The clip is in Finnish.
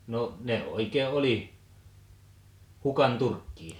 no ne oikein oli hukan turkkia hukan